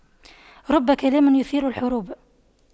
رب كلام يثير الحروب